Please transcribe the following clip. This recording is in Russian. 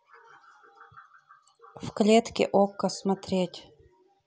в клетке окко смотреть